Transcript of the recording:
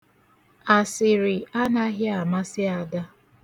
Asịrị anaghị amasị Ada.